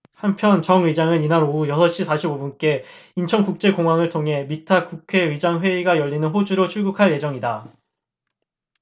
한편 정 의장은 이날 오후 여섯 시 사십 오 분께 인천국제공항을 통해 믹타 국회의장 회의가 열리는 호주로 출국할 예정이다